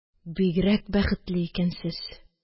Бигрәк бәхетле икәнсез